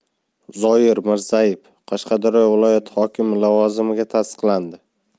zoir mirzayev qashqadaryo viloyati hokimi lavozimiga tasdiqlandi